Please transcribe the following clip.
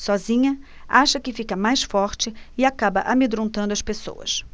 sozinha acha que fica mais forte e acaba amedrontando as pessoas